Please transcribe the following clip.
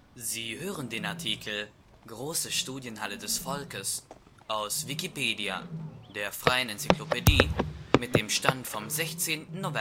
Sie hören den Artikel Große Studienhalle des Volkes, aus Wikipedia, der freien Enzyklopädie. Mit dem Stand vom Der